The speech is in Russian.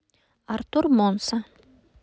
артур монса